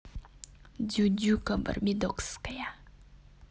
дюдюка барбидокская